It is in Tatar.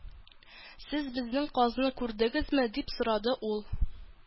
"сез безнең казны күрдегезме" дип сорады ул